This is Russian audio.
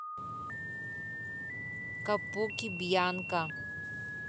капуки бьянка